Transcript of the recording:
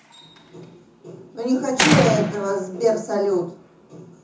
ну не хочу этого сбер салют